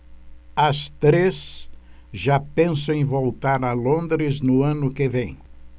as três já pensam em voltar a londres no ano que vem